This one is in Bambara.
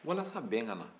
walasa bɛn kana